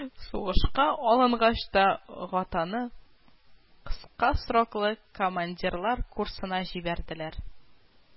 Сугышка алынгач та Гатаны кыска сроклы командирлар курсына җибәрделәр